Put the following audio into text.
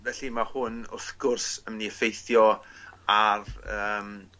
Felly ma' hwn wrth gwrs yn myn' i effeithio ar yym